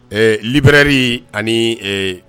Ɛɛ librairie ani ee